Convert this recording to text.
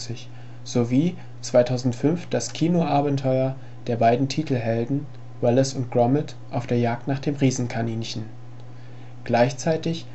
Kinoabenteuer der beiden Titelhelden, Wallace & Gromit: Auf der Jagd nach dem Riesenkaninchen. Gleichzeitig